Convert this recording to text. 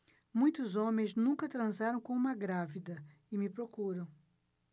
muitos homens nunca transaram com uma grávida e me procuram